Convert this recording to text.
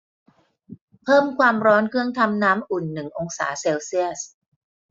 เพิ่มความร้อนเครื่องทำน้ำอุ่นหนึ่งองศาเซลเซียส